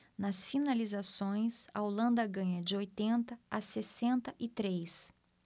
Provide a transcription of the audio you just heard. nas finalizações a holanda ganha de oitenta a sessenta e três